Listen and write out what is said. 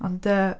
Ond yy...